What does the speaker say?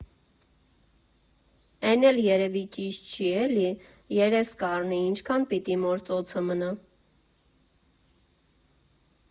Էն էլ երևի ճիշտ չի, էլի, երես կառնի, ինչքա՞ն պիտի մոր ծոցը մնա։